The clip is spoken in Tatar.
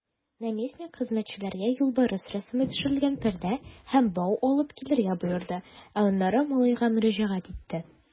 Наместник хезмәтчеләргә юлбарыс рәсеме төшерелгән пәрдә һәм бау алып килергә боерды, ә аннары малайга мөрәҗәгать итте.